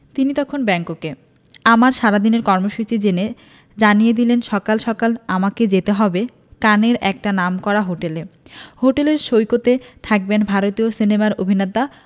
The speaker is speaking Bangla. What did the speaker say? তিনি তখন ব্যাংককে আমার সারাদিনের কর্মসূচি জেনে জানিয়ে দিলেন সকাল সকাল আমাকে যেতে হবে কানের একটা নামকরা হোটেলে হোটেলের সৈকতে থাকবেন ভারতীয় সিনেমার অভিনেতা